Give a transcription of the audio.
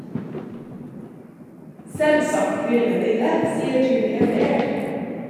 Selvsagt ville de det , sier Julia Baird.